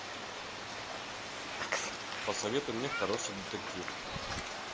посоветуй мне хороший детектив